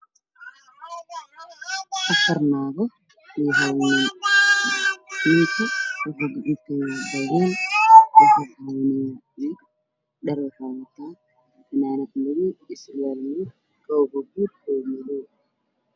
Waa afar naag iyo hal nin dhar waxuu wataa fanaanad madow iyo surwaal madow ah iyo kabo buudbuud ah oo madow.